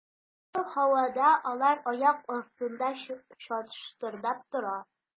Коры һавада алар аяк астында чыштырдап тора.